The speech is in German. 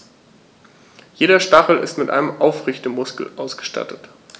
Jeder Stachel ist mit einem Aufrichtemuskel ausgestattet.